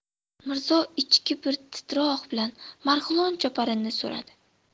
mirzo ichki bir titroq bilan marg'ilon choparini so'radi